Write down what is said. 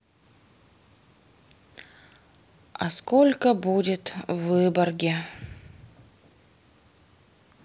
а сколько будет в выборге